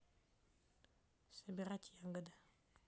собирать ягоды